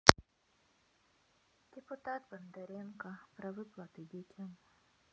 депутат бондаренко про выплаты детям